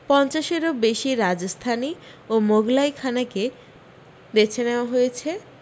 পঞ্চাশেরও বেশী রাজস্থানি ও মোগলাই খানাকে বেছে নেওয়া হয়েছে